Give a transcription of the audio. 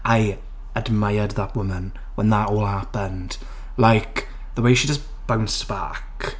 I admired that woman when that all happened, like, the way she just bounced back.